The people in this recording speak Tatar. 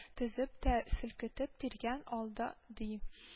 Тезеп тә селкетеп тиргән алда, ди: